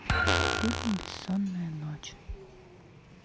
фильм бессонная ночь